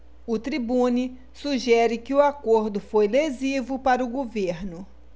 o tribune sugere que o acordo foi lesivo para o governo